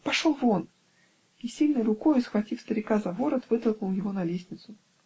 Пошел вон!" -- и, сильной рукою схватив старика за ворот, вытолкнул его на лестницу.